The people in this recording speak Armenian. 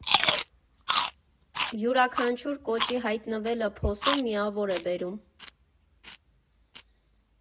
Յուրաքանչյուր կոճի հայտնվելը փոսում միավոր է բերում։